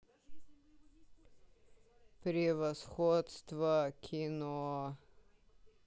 превосходство кино